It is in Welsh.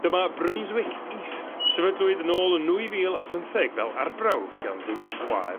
Dyma Brunswick East sefydlwyd nôl yn nwy fil a phymtheg fel arbrawf gan ddwy chwaer